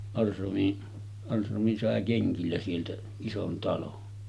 Ahlström Ahlström sai kengillä sieltä ison talon